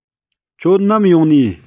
ཁྱོད ནམ ཡོང ནིས